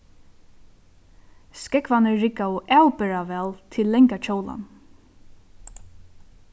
skógvarnir riggaðu avbera væl til langa kjólan